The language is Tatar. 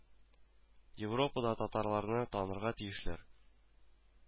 Европада татарларны танырга тиешләр